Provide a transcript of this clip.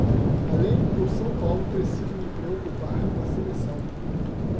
além do são paulo preciso me preocupar com a seleção